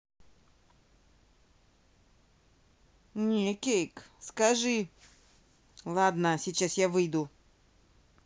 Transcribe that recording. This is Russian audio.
не cake скажи ладно сейчас я выйду